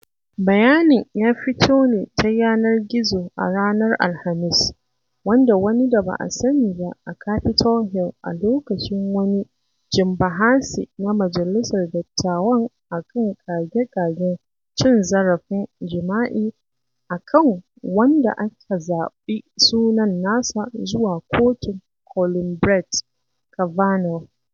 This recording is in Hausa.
Bayanin ya fito ne ta yanar gizo a ranar Alhamis, wanda wani da ba a sani ba a Capitol Hill a lokacin wani jin bahasi na Majalisar Dattawan a kan ƙage-ƙagen cin zarafin jima'i a kan wanda aka zaɓi sunan nasa zuwa Kotun Kolin Brett Kavanaugh.